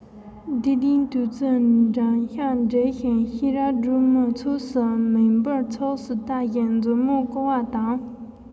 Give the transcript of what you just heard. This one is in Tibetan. བདེ ལྡན བདུད རྩི འགྲམ ཤ འཁྲིགས ཤིང ཤེས རབ སྒྲོལ མའི ཕྱོགས སུ མིག འབུར ཚུགས སུ ལྟ བཞིན མཛུབ མོར བསྐོར བ དང